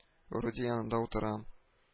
Руди янында утырам